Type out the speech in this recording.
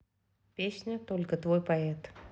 песня только твой поэт